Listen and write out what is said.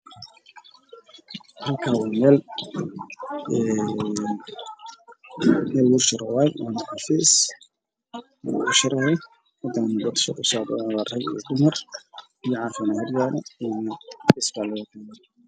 Heshaan waa xafiis lagu shirayo waxaana ka muuqdo niman fara badan ninka ugu soo celiyo wataa sharta caddaana iyo suraal cadays wax ku qoraya